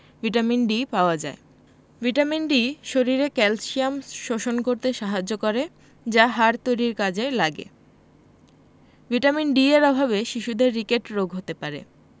vitamin D পাওয়া যায় vitamin D শরীরে ক্যালসিয়াম শোষণ করতে সাহায্য করে যা হাড় তৈরীর কাজে লাগে ভিটামিন D এর অভাবে শিশুদের রিকেট রোগ হতে পারে